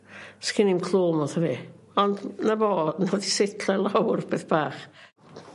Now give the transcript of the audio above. scin i'm cliw mawtho fi ond 'na fo setlo i lawr beth bach.